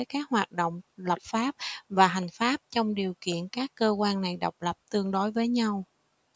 các hoạt động lập pháp và hành pháp trong điều kiện các cơ quan này độc lập tương đối với nhau